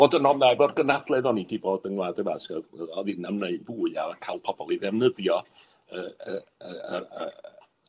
Fod yn o'r gynadledd o'n i 'di bod yng Ngwlad y Basg o' finna am wneud fwy ar ca'l pobol i ddefnyddio yy yy yy yr yy